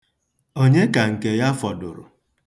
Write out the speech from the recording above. Onye ka nke ya fọdụrụ?